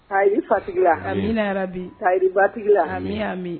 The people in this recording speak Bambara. A fatigi la aminayara bi a batigi la ami'a min